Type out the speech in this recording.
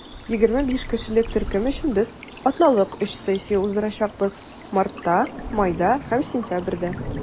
25 кешелек төркем өчен без атналык өч сессия уздырачакбыз - мартта, майда һәм сентябрьдә.